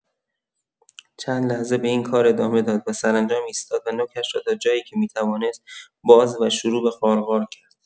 چند لحظه به این کار ادامه داد و سرانجام ایستاد و نوکش را تا جایی که می‌توانست باز و شروع به غارغار کرد.